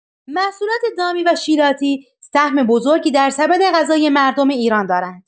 محصولات دامی و شیلاتی سهم بزرگی در سبد غذایی مردم ایران دارند.